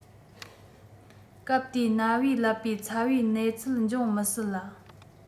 སྐབས དེའི ན བའི ཀླད པའི ཚ བའི གནས ཚུལ བྱུང མི སྲིད ལ